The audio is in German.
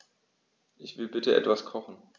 Ich will bitte etwas kochen.